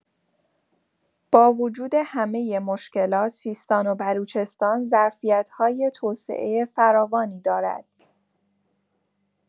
با وجود همه مشکلات، سیستان و بلوچستان ظرفیت‌های توسعه فراوانی دارد.